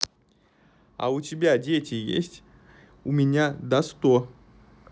а у тебя дети есть у меня до сто